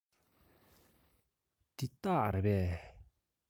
འདི སྟག རེད པས